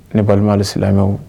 Ne balima alisilamɛw